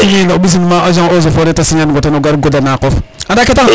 te signer in o mbisin ma agent eaux et foret te signer an ngo ten o gar goda naqof anda ke tax na